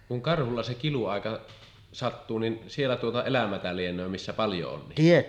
kun karhulla se kiluaika sattuu niin siellä tuota elämää lienee missä paljon on niitä